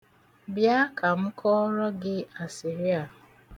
Bịa ka m kọrọ gị asịrị a.